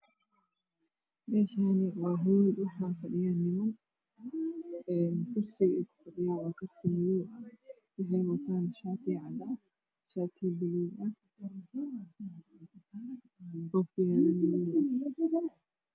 Meshaani waa hool waxaa fadhiya nimaan kursi ey ku fadhiyaan waa kursi madoow ah shatiga ey watan waa baluug ah